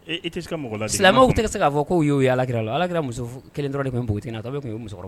E la silamɛ tɛ se k' fɔ k ko y u ye yala alakira la alaki muso kelen dɔrɔn de tun npogo tigɛ tun musokɔrɔba